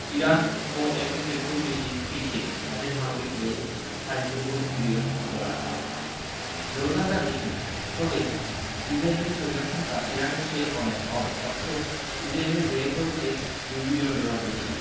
ইরানও এ ক্ষেত্রে খুব বেশি পিছিয়ে নেই তাদের সামরিক ব্যয় সাড়ে ১৪ বিলিয়ন ডলার ব্যবধানটা বেশি নয় তবে ইসরায়েলের সৈন্য সংখ্যা ইরানের চেয়ে অনেক কম অথচ ইসরায়েল ব্যয় করছে ২ বিলিয়ন ডলার বেশি